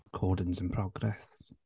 Recording is in progress.